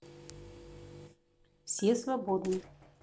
все свободны